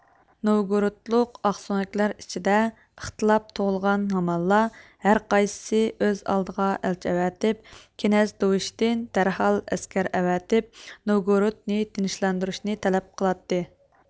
نوۋگورودلۇق ئاقسۆڭەكلەر ئىچىدە ئىختىلاپ تۇغۇلغان ھامانلا ھەرقايسىسى ئۆز ئالدىغا ئەلچى ئەۋەتىپ كىنەز دوۋىچتىن دەرھال ئەسكەر ئەۋەتىپ نوۋگورودنى تىنچلاندۇرۇشنى تەلەپ قىلاتتى